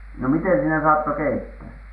no miten siinä saattoi keittää